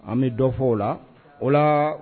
An bɛ dɔ fɔ o la o la